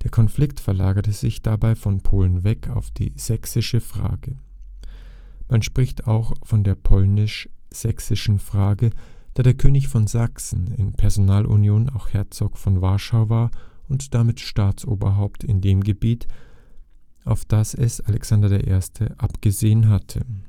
Konflikt verlagerte sich dabei von Polen weg auf die sächsische Frage. Man spricht auch von der Polnisch-Sächsischen Frage, da der König von Sachsen in Personalunion auch Herzog von Warschau war und damit Staatsoberhaupt in dem Gebiet, auf das es Alexander I. abgesehen hatte